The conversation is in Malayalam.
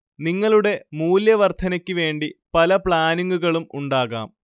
നിങ്ങളുടെ മൂല്യ വർദ്ധനക്ക് വേണ്ടി പല പ്ലാനിങ്ങുകളും ഉണ്ടാകാം